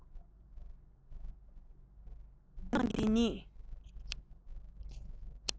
རྣམ གྲངས འདི ཉིད